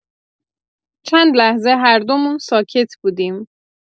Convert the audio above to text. چند لحظه هردومون ساکت بودیم.